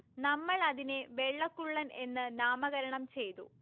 നമ്മളതിനെ വെള്ളക്കുള്ളൻ എന്ന് നാമകരണം ചെയ്തു